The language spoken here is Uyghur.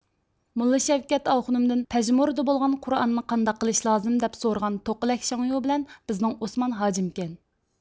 موللا شەۋكەت ئاخۇنۇمدىن پەجمۇردە بولغان قۇرئاننى قانداق قىلىش لازىم دەپ سورىغان توقىلەك شاڭيو بىلەن بىزنىڭ ئوسمان ھاجىمكەن